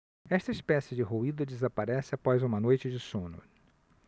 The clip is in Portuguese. esta espécie de ruído desaparece após uma noite de sono